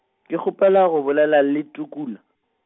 ke kgopela go bolela le Tukela.